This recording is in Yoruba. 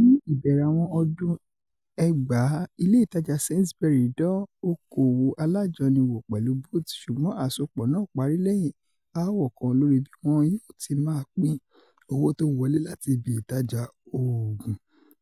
Ni ìbẹ̀rẹ̀ àwọn ọdún 2000,ilé ìtaja Sainsbury dán oko-òwò alájọni wò pẹ̀lu Boots sùgbọ́n àsopọ náà pári lẹ́yìn aáwọ̀ kan lórí bí wọn yóò tí máa pín owó tó ńwọlé láti ibi ìtajà oogun